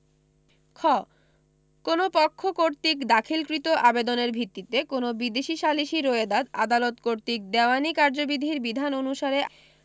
খ কোন পক্ষ কর্তৃক দাখিলকৃত আবেদনের ভিত্তিতে কোন বিদেশী সালিসী রোয়েদাদ আদালত কর্তৃক দেওয়ানী কার্যিবিধির বিধান অনুসারে